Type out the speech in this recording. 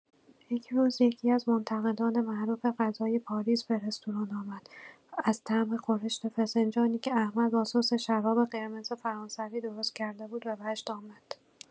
یک روز یکی‌از منتقدان معروف غذای پاریس به رستوران آمد و از طعم خورشت فسنجانی که احمد با سس شراب قرمز فرانسوی درست کرده بود، به وجد آمد.